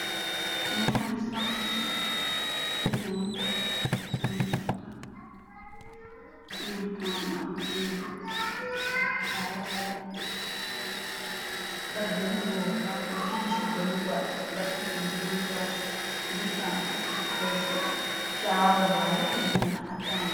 Waa guri dhismo ku socdo